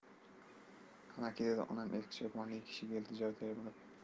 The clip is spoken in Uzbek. amaki dedi onam eski choponli kishiga iltijoli termilib